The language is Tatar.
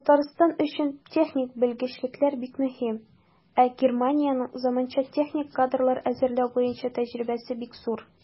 Татарстан өчен техник белгечлекләр бик мөһим, ә Германиянең заманча техник кадрлар әзерләү буенча тәҗрибәсе бик зур.